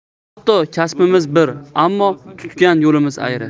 hatto kasbimiz bir ammo tutgan yo'limiz ayri